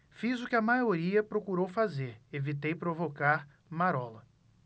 fiz o que a maioria procurou fazer evitei provocar marola